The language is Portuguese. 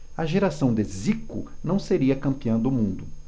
a geração de zico não seria campeã do mundo